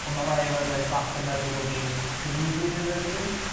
o' 'na rai aelode staff y meddwl bo' fi'n comedian in residence.